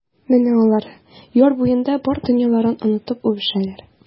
Менә алар яр буенда бар дөньяларын онытып үбешәләр.